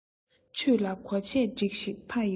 ཆོས ལ འགྲོ ཆས སྒྲིགས ཤིག ཕ ཡི བུ